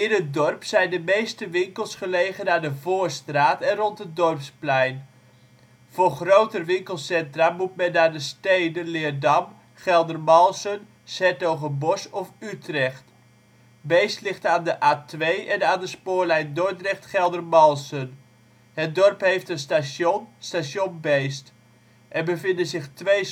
het dorp zijn de meeste winkels gelegen aan de Voorstraat en rond het Dorpsplein. Voor groter winkelcentra moet men naar de steden Leerdam, Geldermalsen, ' s-Hertogenbosch of Utrecht. Beesd ligt aan de A2 en aan de spoorlijn Dordrecht - Geldermalsen. Het dorp heeft een station: station Beesd. Er bevinden zich twee scholen